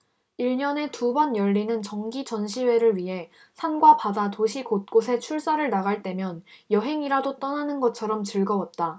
일 년에 두 번 열리는 정기 전시회를 위해 산과 바다 도시 곳곳에 출사를 나갈 때면 여행이라도 떠나는 것처럼 즐거웠다